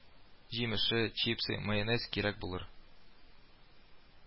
Җимеше, чипсы, майонез кирәк булыр